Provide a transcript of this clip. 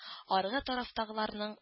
Аргы тарафтагыларның